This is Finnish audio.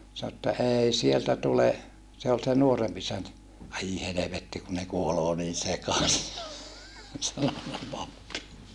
sanoi että ei sieltä tule se oli se nuorempi isäntä ai helvetti kun ne kuolee niin sekaisin oli sanonut pappi